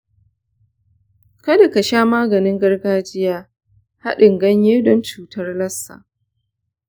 kada ka sha maganin gargajiya hadin ganye don cutar lassa.